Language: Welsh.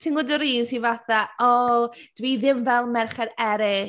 Ti’n gwybod yr un sy fatha "O, dwi ddim fel merched eraill."